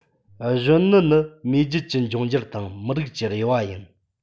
གཞོན ནུ ནི མེས རྒྱལ གྱི འབྱུང འགྱུར དང མི རིགས ཀྱི རེ བ ཡིན